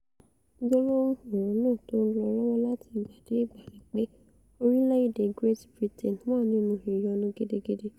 Gbólóhùn ọ̀rọ̀ náà tó ńlọ lọ́wọ́ láti ìgbà dé ìgbà nipé orilẹ̵-ede Great Britain wà nínú ìyọnu gidigidi.